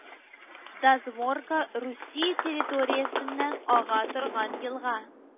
Дозморка Русия территориясеннән ага торган елга